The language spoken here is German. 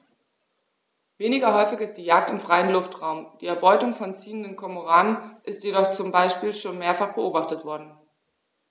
Weniger häufig ist die Jagd im freien Luftraum; die Erbeutung von ziehenden Kormoranen ist jedoch zum Beispiel schon mehrfach beobachtet worden.